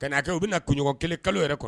Ka na kɛ u bɛna kunɲɔgɔn kelen, kalo yɛrɛ kɔnɔ